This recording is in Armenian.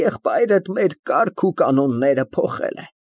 Եղբայրդ մեր կարգ ու կանոնները փոխել է։